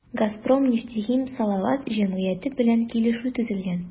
“газпром нефтехим салават” җәмгыяте белән килешү төзелгән.